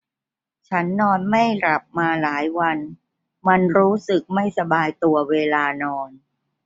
ฉันนอนไม่หลับมาหลายวันมันรู้สึกไม่สบายตัวเวลานอน